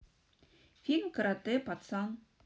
фильм карате пацан